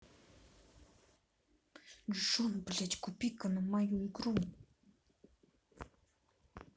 джон блядь купи ка нам мою игру